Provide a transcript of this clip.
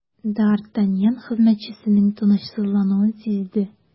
Д’Артаньян хезмәтчесенең тынычсызлануын сизде.